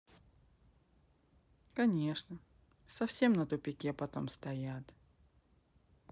конечно совсем на тупике потом стоят